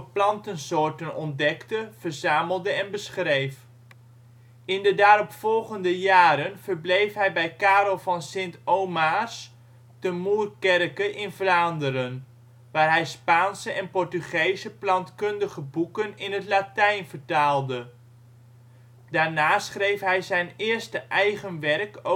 plantensoorten ontdekte, verzamelde en beschreef. In de daaropvolgende jaren verbleef hij bij Karel van Sint-Omaars te Moerkerke in Vlaanderen, waar hij Spaanse en Portugese plantkundige boeken in het Latijn vertaalde. Daarna schreef hij zijn eerste eigen werk